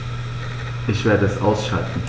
Ich werde es ausschalten